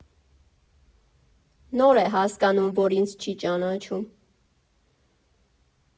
Նոր է հասկանում, որ ինձ չի ճանաչում.